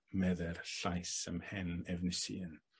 medde'r llais ym mhen Efnisien.